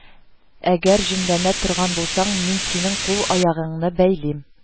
Әгәр җенләнә торган булсаң, мин синең кул-аягыңны бәйлим